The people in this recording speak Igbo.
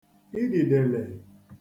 idìdèlè